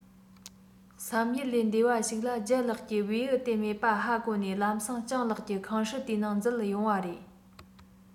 བསམ ཡུལ ལས འདས པ ཞིག ལ ལྗད ལགས ཀྱིས བེའུ དེ མེད པ ཧ གོ ནས ལམ སེང སྤྱང ལགས ཀྱི ཁང ཧྲུལ དེའི ནང འཛུལ ཡོང བ རེད